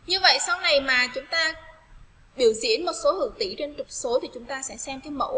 như vậy sau này mà chúng ta biểu diễn số hữu tỉ trên trục số và chúng ta sẽ xem cái mũ